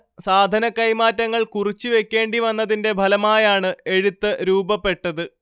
സാധനക്കൈമാറ്റങ്ങൾ കുറിച്ചുവെക്കേണ്ടിവന്നതിൻറെ ഫലമായാണ് എഴുത്ത് രൂപപ്പെട്ടത്